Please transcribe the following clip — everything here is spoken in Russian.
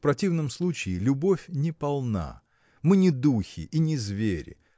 в противном случае любовь неполна: мы не духи и не звери.